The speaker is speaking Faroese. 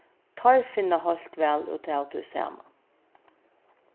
teir finna heilt væl út av tí saman